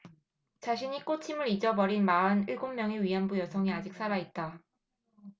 자신이 꽃임을 잊어버린 마흔 일곱 명의 위안부 여성이 아직 살아 있다